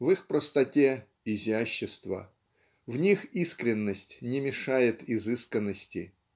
В их простоте -- изящество; в них искренность не мешает изысканности.